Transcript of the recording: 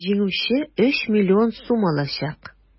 Җиңүче 3 млн сум алачак.